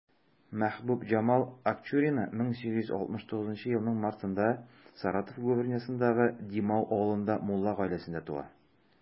Мәхбүбҗамал Акчурина 1869 елның мартында Саратов губернасындагы Димау авылында мулла гаиләсендә туа.